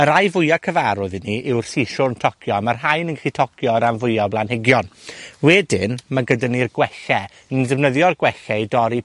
Y rai fwya cyfarwydd i ni yw'r siswrn tocio, a ma' rhain yn gwlly tocio y ran fwya o blanhigion. Wedyn, ma' gyda ni'r gwella. Ni'n defnyddio'r gwella i dorri